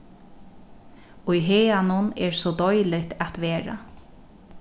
í haganum er so deiligt at vera